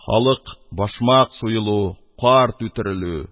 Халык башмак суелу, карт үтерелү,